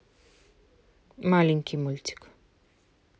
маленький мультик